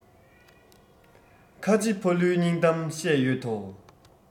ཁ ཆེ ཕ ལུའི སྙིང གཏམ བཤད ཡོད དོ